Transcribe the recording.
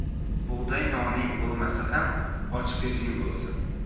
bug'doy noning bo'lmasa ham ochiq yuzing bo'lsin